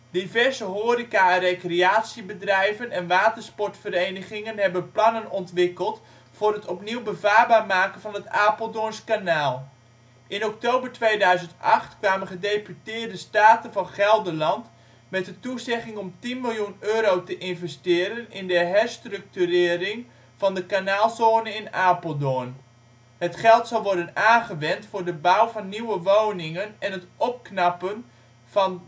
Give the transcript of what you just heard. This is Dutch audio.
Diverse horeca - en recreatiebedrijven en watersportverenigingen hebben plannen ontwikkeld voor het (opnieuw) bevaarbaar maken van het Apeldoorns kanaal. In oktober 2008 kwamen Gedeputeerde Staten van Gelderland met de toezegging om 10 miljoen euro te investeren in de herstructurering van de kanaalzone in Apeldoorn. Het geld zal worden aangewend voor de bouw van nieuwe woningen en het opknappen van